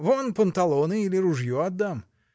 — Вон панталоны или ружье отдам.